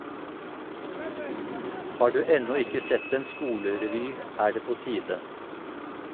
Har du ennå ikke sett en skolerevy, er det på tide.